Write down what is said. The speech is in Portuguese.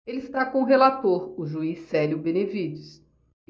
ele está com o relator o juiz célio benevides